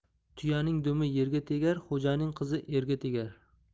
tuyaning dumi yerga tegar xo'janing qizi erga tegar